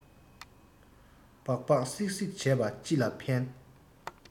སྦག སྦག གསིག གསིག བྱས པས ཅི ལ ཕན